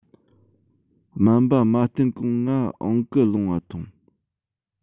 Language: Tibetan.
སྨན པ མ བསྟན གོང ང ཨང ཀི ལོངས ང ཐོངས